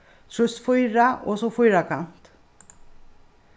trýst fýra og so fýrakant